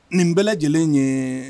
Nin bɛɛ lajɛlen ye